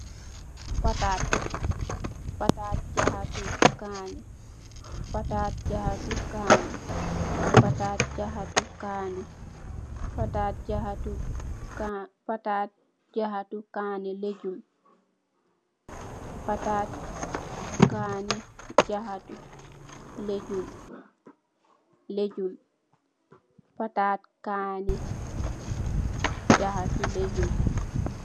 Patat, jahatu, kaneh, legume.